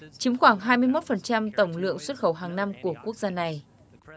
chiếm khoảng hai mươi mốt phần trăm tổng lượng xuất khẩu hàng năm của quốc gia này